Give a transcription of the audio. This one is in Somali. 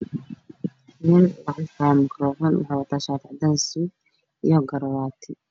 Nin wxuu watada shaati cadan io suud io garawati